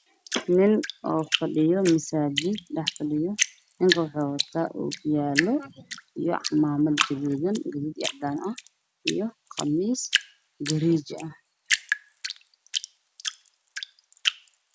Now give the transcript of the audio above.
Waa wiil dhalinyaro ah oo fadhiyo waxa uu qabaa cimaamad gududan iyo cadaan ah qamiis cadays iyo ookiyaalo wuu qabaa